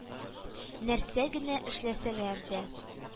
Нәрсә генә эшләсәләр дә